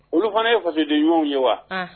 Olu fana ye fasi deɲɔgɔnw ye wa